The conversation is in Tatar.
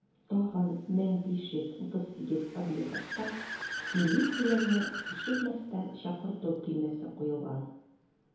Тагын 1538 объектта милицияне кичекмәстән чакырту төймәсе куелган.